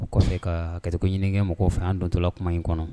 O kɔfɛ ka hakɛto ɲini mɔgɔw fɛ an dontɔla kuma in kɔnɔ